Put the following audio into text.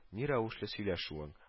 Ни рәвешле сөйләшүең